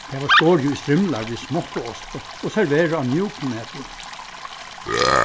tað var skorið í strimlar við smáttuosti og serverað á mjúkum epli